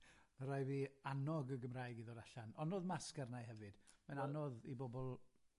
O'dd rai' fi annog y Gymraeg i ddod allan ond o'dd masc arna i hefyd, mae'n anodd i bobl